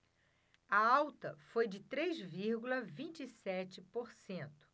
a alta foi de três vírgula vinte e sete por cento